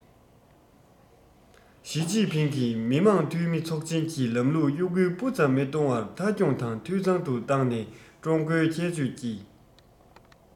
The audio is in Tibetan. ཞིས ཅིན ཕིང གིས མི དམངས འཐུས མི ཚོགས ཆེན གྱི ལམ ལུགས གཡོ འགུལ སྤུ ཙམ མི གཏོང བར མཐའ འཁྱོངས དང འཐུས ཚང དུ བཏང ནས ཀྲུང གོའི ཁྱད ཆོས ཀྱི